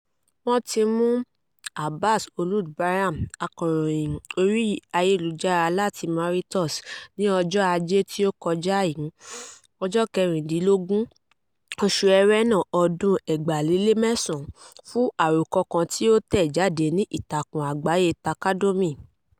Wọ́n ti mú Abbass Ould Braham, akọ̀ròyìn orí ayélujára láti Mauritius ní ọjọ́ Ajé tí ó kọjá yìí, 16 oṣù Ẹrẹ́nà ọdún 2009, fún àròkọ kan tí ó tẹ̀ jáde ní ìtakùn àgbáyé Taqadoumy.